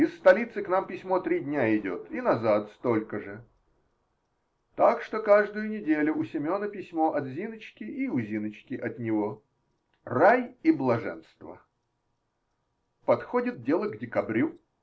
Из столицы к нам письмо три дня идет и назад столь же, так что каждую неделю у Семена письмо от Зиночки и у Зиночки от него. Рай и блаженство. Подходит дело к декабрю.